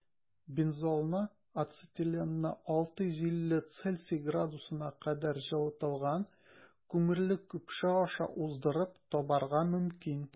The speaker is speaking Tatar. Бензолны ацетиленны 650 С кадәр җылытылган күмерле көпшә аша уздырып табарга мөмкин.